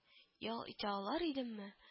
Ял итә алар идемме